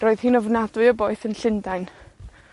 Roedd hi'n ofnadwy o boeth yn Llundain.